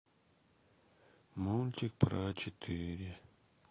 мультик про четыре